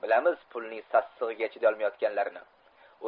bilamiz pulning sassig'iga chilolmayotganlarni